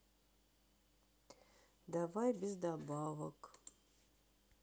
давай без добавок